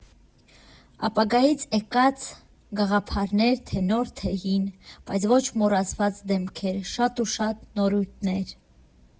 Ապագայից եկած գաղափարներ, թե՛ նոր, թե՛ հին, բայց ոչ մոռացված դեմքեր, շատ ու շատ նորույթներ։